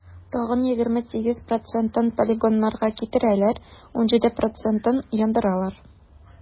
Тагын 28 процентын полигоннарга китерәләр, 17 процентын - яндыралар.